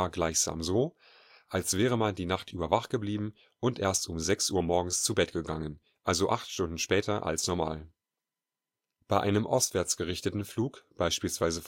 gleichsam so, als wäre man die Nacht über wach geblieben und erst um 6 Uhr morgens zu Bett gegangen, also acht Stunden später als normal. Nach dem dargestellten Flug ostwärts